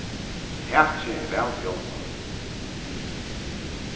takið er væl bjálvað